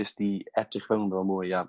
Jyst i edrych fewn iddo fo mwy ia